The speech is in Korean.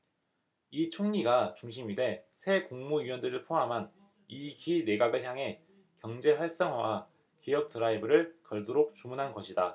이 총리가 중심이 돼 새 국무위원들을 포함한 이 기 내각을 향해 경제활성화와 개혁 드라이브를 걸도록 주문한 것이다